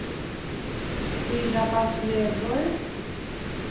syðradalsvegur